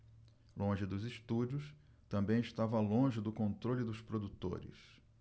longe dos estúdios também estava longe do controle dos produtores